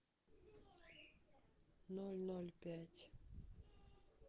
ноль ноль пять